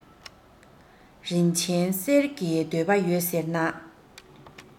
རིན ཆེན གསེར གྱི འདོད པ ཡོད ཟེར ན